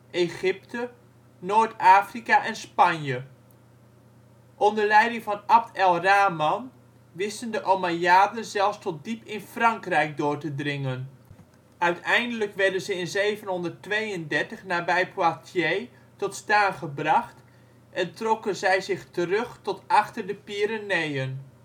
Egypte, Noord-Afrika en Spanje. Onder leiding van Abd el Rahman wisten de Omajjaden zelfs tot diep in Frankrijk door te dringen. Uiteindelijk werden ze in 732 nabij Poitiers tot staan gebracht en trokken zij zich terug tot achter de Pyreneeën